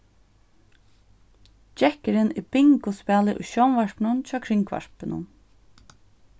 gekkurin er bingospælið í sjónvarpinum hjá kringvarpinum